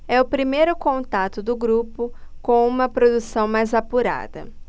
é o primeiro contato do grupo com uma produção mais apurada